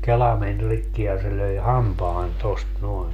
kela meni rikki ja se löi hampaan tuosta noin